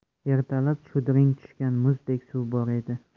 ertalab shudring tushgan muzdek suv bor edi